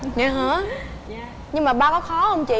dậy hở nhưng mà ba có khó hông chị